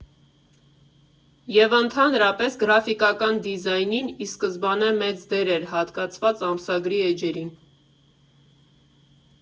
Եվ ընդհանրապես՝ գրաֆիկական դիզայնին ի սկզբանե մեծ դեր էր հատկացված ամսագրի էջերին։